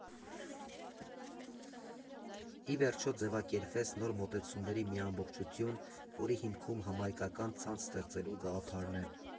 Ի վերջո, ձևակերպվեց նոր մոտեցումների մի ամբողջություն, որի հիմքում համահայկական ցանց ստեղծելու գաղափարն է։